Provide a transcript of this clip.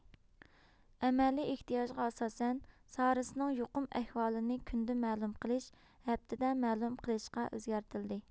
ئەمەلىي ئېھتىياجغا ئاساسەن سارسنىڭ يۇقۇم ئەھۋالىنى كۈندە مەلۇم قىلىش ھەپتىدە مەلۇم قىلىشقا ئۆزگەرتىلدى